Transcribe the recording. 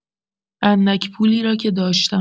اندک پولی را که داشتم.